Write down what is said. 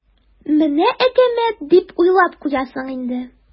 "менә әкәмәт" дип уйлап куясың инде.